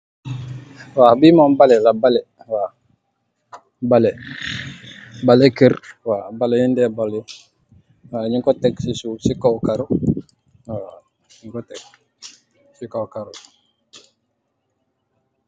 Waaw, bi mom baley la, baley. Waaw, baley, baley kerr. Waaw, baley yin deh baley. waaw, nyug tek si suuf, si kaw karo. Waaw nyug tek si kaw karo.